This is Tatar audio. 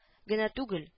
Генә түгел